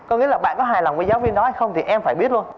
có nghĩa là bạn có hài lòng với giáo viên nói không thì em phải biết luôn